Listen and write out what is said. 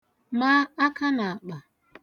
ma akan'àkpà